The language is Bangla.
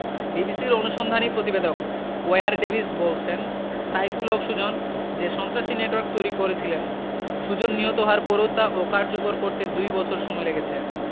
বিবিসির অনুসন্ধানী প্রতিবেদক ওয়্যার ডেভিস বলছেন সাইফুল হক সুজন যে সন্ত্রাসী নেটওয়ার্ক তৈরি করেছিলেন সুজন নিহত হওয়ার পরও তা অকার্যকর করতে দুই বছর সময় লেগেছে